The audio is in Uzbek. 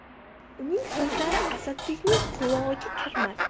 uning so'zlari asadbekning qulog'iga kirmadi